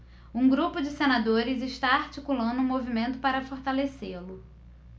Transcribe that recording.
um grupo de senadores está articulando um movimento para fortalecê-lo